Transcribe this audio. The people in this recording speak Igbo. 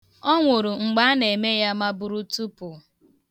Ọ nwụrụ mgbe a na-eme ya maburutupụ.